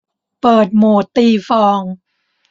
เปิดโหมดตีฟอง